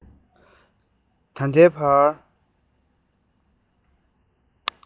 ད ལྟའི བར